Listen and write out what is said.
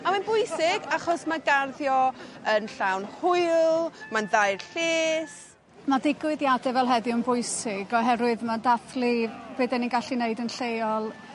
a mae'n bwysig achos ma' garddio yn llawn hwyl mae'n dda i'r lles ma' digwyddiade fel heddiw yn bwysig oherwydd ma'n dathlu be' 'dan ni'n gallu neud yn lleol